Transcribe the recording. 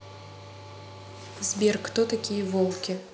сбер кто такие волки